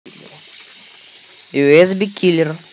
юэсби киллер